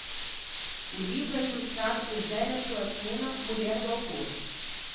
o livro é ilustrado por zélia suassuna mulher do autor